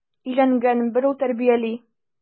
Өйләнгән, бер ул тәрбияли.